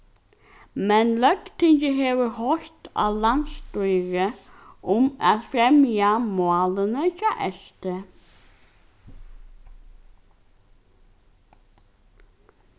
men løgtingið hevur heitt á landsstýrið um at fremja málini hjá st